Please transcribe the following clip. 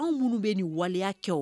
Anw minnu bɛ nin waleya kɛ